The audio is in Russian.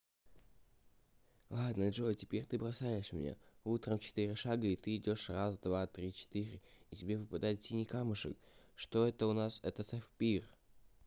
ладно джой теперь ты бросаешь тебя утром четыре шага ты идешь раз два три четыре и тебе выпадает синий камушек это что у нас это сафир